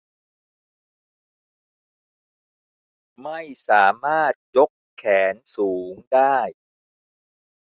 ไม่สามารถยกแขนสูงได้